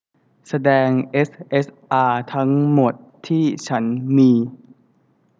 แสดงเอสเอสอาทั้งหมดที่ฉันมี